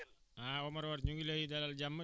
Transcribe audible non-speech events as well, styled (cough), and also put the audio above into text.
(hesitation) sa tur ak sa sant ak fooy wootee